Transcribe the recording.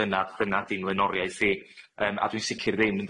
dyna dyna 'di'n lmenoriaeth i yym a dwi'n sicir ddim yn